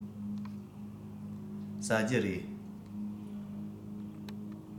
ཟ རྒྱུ རེད